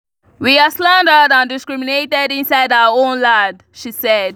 We are slandered and discriminated inside our own land, she said.